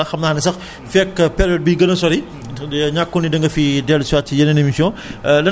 Yakhya Seuye sant nañ la gërëm nañ la amati mbége ak bànneex rekk di la dalal xam naa ne sax